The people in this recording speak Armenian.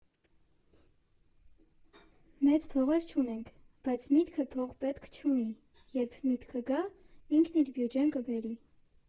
Մեծ փողեր չունենք, բայց միտքը փող պետք չունի, երբ միտքը գա, ինքն իր բյուջեն կբերի։